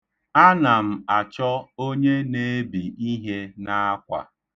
Ana m achọ onye na-ebi ihe n'akwa.